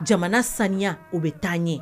Jamana saniya, o bɛ taa ɲɛ